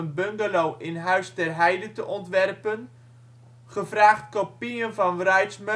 bungalow in Huis ter Heide te ontwerpen, gevraagd kopieën van Wrights